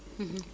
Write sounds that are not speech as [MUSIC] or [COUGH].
[HESITATION] [HESITATION]